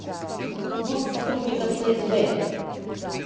мозг сотрудников фсб